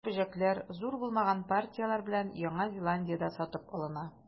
Чуар бөҗәкләр, зур булмаган партияләр белән, Яңа Зеландиядә сатып алына.